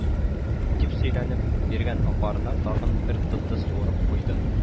" дип сөйләнеп, биргән апараны тагы бер тында суырып куйды